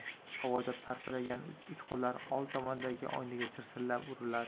havoda parpiragan uchqunlar old tomondagi oynaga chirsillab urilar